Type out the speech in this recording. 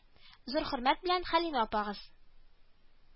Зур хөрмәт белән, Хәлимә апагыз